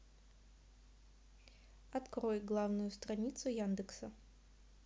открой главную страницу яндекса